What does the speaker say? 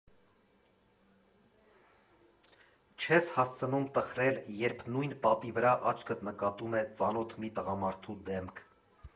Չես հասցնում տխրել, երբ նույն պատի վրա աչքդ նկատում է ծանոթ մի տղամարդու դեմք։